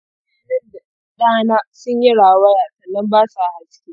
idanun ɗana sun yi rawaya sannan basa haske.